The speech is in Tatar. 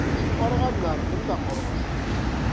Бик арыганнар, монда калыгыз.